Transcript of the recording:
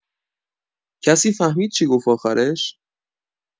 کسی فهمید چی گفت آخرش؟